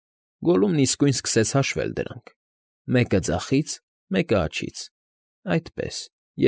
Գոլլումը իսկույն սկսեց հաշվել դրանք. «Մեկը ձախից, մեկը աջից, այդպես֊ս֊ս։